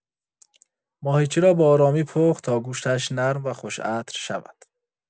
ماهیچه را به‌آرامی پخت تا گوشتش نرم و خوش‌عطر شود.